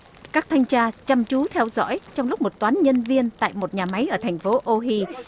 các thanh tra chăm chú theo dõi trong lúc một toán nhân viên tại một nhà máy ở thành phố ô hi